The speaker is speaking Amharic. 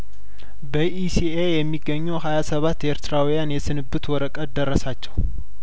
በኢሲኤ የሚገኙ ሀያሰባት ኤርትራውያን የስንብት ወረቀት ደረሳቸው